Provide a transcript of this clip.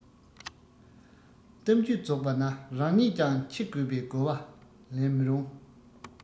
གཏམ རྒྱུད རྫོགས པ ན རང ཉིད ཀྱང འཆི དགོས པའི གོ བ ལེན མི རུང